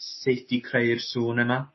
sut i creu'r sŵn yna.